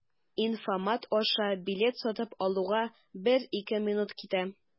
Инфомат аша билет сатып алуга 1-2 минут китә.